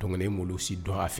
Donc n'e m'olu si dɔn a fɛ